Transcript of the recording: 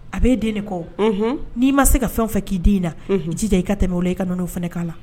A b'e den de kɔ o unhun n'i ma se ka fɛn o fɛn k'i den in na unhun i jija i ka tɛmɛ o la i kana n'o fɛnɛ k'a la